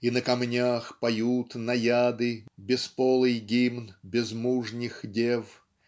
И на камнях поют наяды Бесполый гимн безмужних дев.